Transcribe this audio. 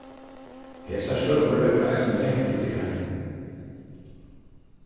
hesar søgur røkka eisini langt út í heim